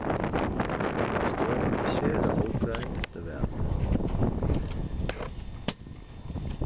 støðan er sera ógreið eftir valið